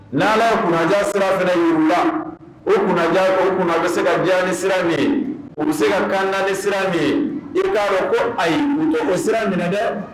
N'ala ye kunna diya sira fɛnɛ yiri la, o kunna diya, o kunna bɛ se ka diya ni sira ye, u bɛ se ka kanda ni sira min ye , i ka dɔ ko ayi u to o sira minɛ dɛ